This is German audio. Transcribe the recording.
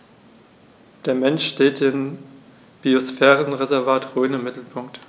Der Mensch steht im Biosphärenreservat Rhön im Mittelpunkt.